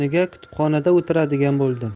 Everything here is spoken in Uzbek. o'rniga kutubxonada o'tiradigan bo'ldim